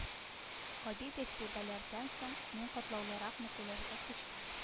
Гади тәҗрибәләрдән соң мин катлаулырак мәсьәләләргә күчтем